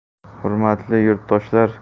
hurmatli yurtdoshlar